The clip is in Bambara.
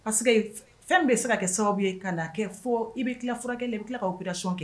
Parce que fɛn bɛ se ka kɛ sababu ye ka' kɛ fɔ i bɛ tila furakɛkɛ n tila kkawaw bilaracɔn kɛ